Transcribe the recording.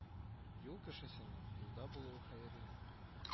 Юл кешесенең юлда булуы хәерле